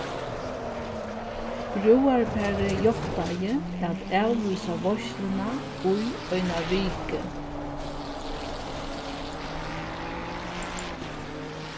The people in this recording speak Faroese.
brúðarparið játtaði at avlýsa veitsluna í eina viku